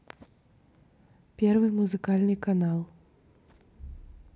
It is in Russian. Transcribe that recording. первый музыкальный канал